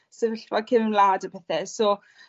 sefyllfa cefen wlad a pethe so